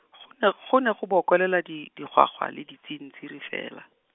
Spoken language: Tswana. go ne, go ne go bokolela di- digwagwa le ditsintsiri fela.